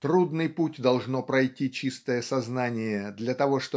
Трудный путь должно пройти чистое сознание для того